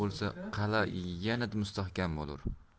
bo'lsa qala yanada mustahkam bo'lur